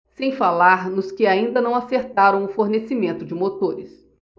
sem falar nos que ainda não acertaram o fornecimento de motores